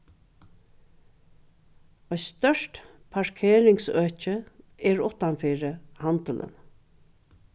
eitt stórt parkeringsøki er uttan fyri handilin